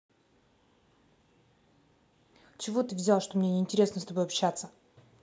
чего ты взял что мне неинтересно с тобой общаться